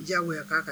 Diyawo ye k'a ka